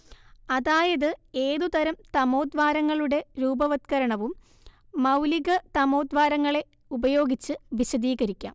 അതായത് ഏതുതരം തമോദ്വാരങ്ങളുടെ രൂപവത്കരണവും മൗലികതമോദ്വാരങ്ങളെ ഉപയോഗിച്ച് വിശദീകരിക്കാം